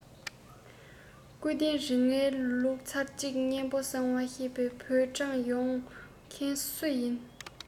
སྐུའི རྟེན རིགས ལྔའི ལུགས ཚར གཅིག གཉན པོ གསང བ ཞེས པ བོད ལ དྲངས ཡོང མཁན སུ ཡིན